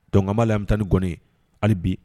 Dongama lami tan ni gnen hali bi